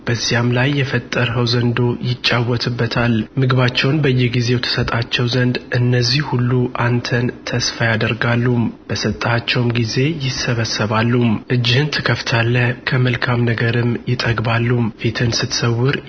በዚያም ላይ የፈጠርኸው ዘንዶ ይጫወትበታል ምግባቸውን በየጊዜው ትሰጣቸው ዘንድ እነዚህ ሁሉ አንተን ተስፋ ያደርጋሉ በሰጠሃቸውም ጊዜ ይሰበስባሉ እጅህን ትከፍታለህ ከመልካም ነገርም ይጠግባሉ ፊትህን ስትሰውር